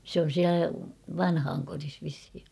se on siellä vanhainkodissa vissiin